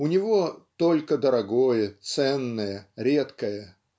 У него - только дорогое, ценное, редкое